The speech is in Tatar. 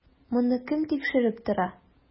Моны кем тикшереп тора?